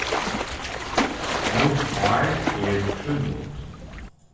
mítt hár er krúllut